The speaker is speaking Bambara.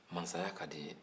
mansaya ka di n ye